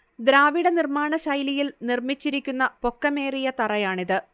ദ്രാവിഡ നിർമ്മാണശൈലിയിൽ നിർമ്മിച്ചിരിക്കുന്ന പൊക്കമേറിയ തറയാണിത്